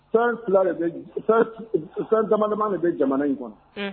Tan fila tan jamanaman de bɛ jamana in kɔnɔ